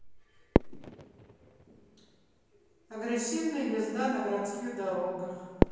агрессивная езда на городских дорогах